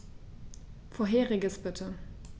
Vorheriges bitte.